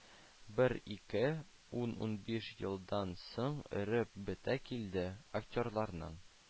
Бер-ике, ун-унбиш елдан соң эреп бетә килде, актерларның